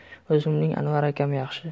o'zimning anvar akam yaxshi